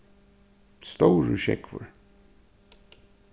stórur sjógvur